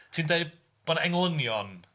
Ti'n deud bod 'na englynion...